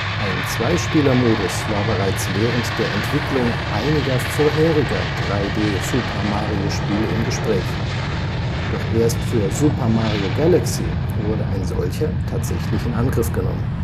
Ein Zweispielermodus war bereits während der Entwicklung einiger vorheriger 3D-Super-Mario-Spiele im Gespräch, doch erst für Super Mario Galaxy wurde ein solcher tatsächlich in Angriff genommen